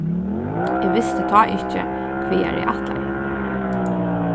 eg visti tá ikki hvagar eg ætlaði